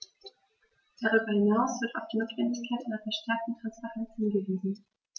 Darüber hinaus wird auf die Notwendigkeit einer verstärkten Transparenz hingewiesen.